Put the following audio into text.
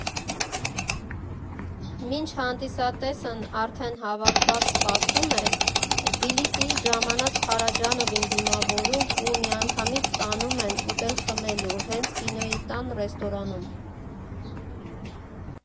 Մինչ հանդիսատեսն արդեն հավաքված սպասում է, Թբիլիսիից ժամանած Փարաջանովին դիմավորում ու միանգամից տանում են «ուտել֊խմելու» հենց Կինոյի տան ռեստորանում։